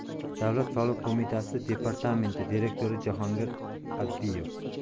davlat soliq qo'mitasi departamenti direktori jahongir abdiyev